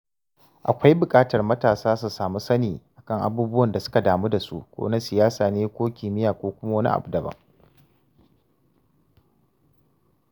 Akwai buƙatar matasa su samu sani a kan abubuwan da suka damu da su, ko na siyasa ne ko kimiyya ko kuma wani abun daban.